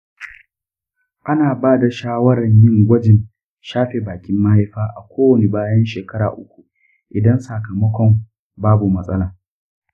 ana bada shawaran yin gwajin shafe bakin mahaifa a kowani bayan shekara uku idan sakamakon babu matsala.